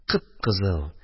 Кып-кызыл